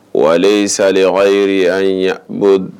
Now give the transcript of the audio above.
Wa ale sa wayi anbo